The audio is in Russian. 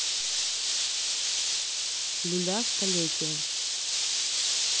люля столетие